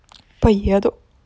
поеду